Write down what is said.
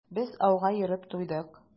Без ауга йөреп туйдык.